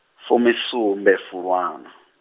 fumisumbe Fulwana.